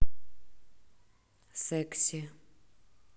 sexy